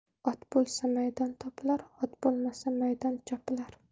ot bo'lsa maydon topilar ot bo'lmasa maydon chopilar